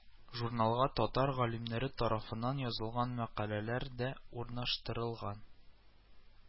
Журналга татар галимнәре тарафыннан язылган мәкаләләр дә урнаштырылган